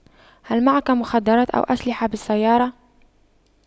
هل معك مخدرات أو أسلحة بالسيارة